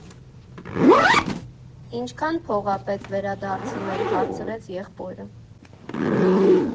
Ինչքա՞ն փող ա պետք վերադարձնել, ֊ հարցրեց եղբորը։